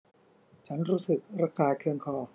ฉันรู้สึกระคายเคืองคอ